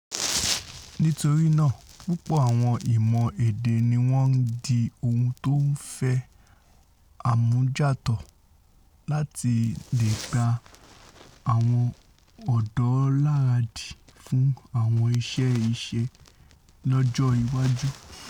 Nítorínáà púpọ̀̀ àwọn ìmọ̀ èdè níwọ́n ńdi ohun tó ńfẹ̀ àmójútó láti leè gba àwọn ọ̀dọ́ láradì fún àwọn iṣẹ́-ìṣe ọjọ́ iwájú wọn.